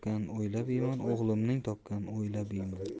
o'g'limning topganini o'ylab yeyman